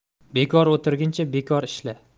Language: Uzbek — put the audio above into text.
bekor o'tirguncha bekor ishla